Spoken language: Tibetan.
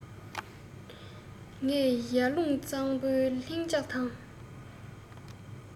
ངས ཡར ཀླུང གཙང པོའི ལྷིང འཇགས དང